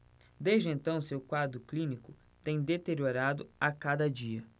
desde então seu quadro clínico tem deteriorado a cada dia